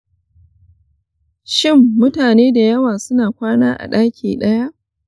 shin mutane da yawa suna kwana a ɗaki ɗaya?